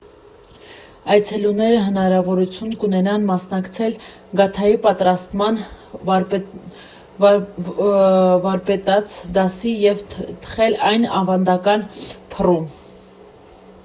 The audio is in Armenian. Այցելուները հնարավորություն կունենան մասնակցել գաթայի պատրաստման վարպետաց դասի և թխել այն ավանդական փռում։